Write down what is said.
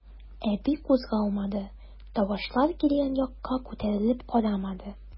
Әби кузгалмады, тавышлар килгән якка күтәрелеп карамады.